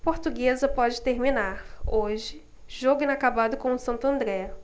portuguesa pode terminar hoje jogo inacabado com o santo andré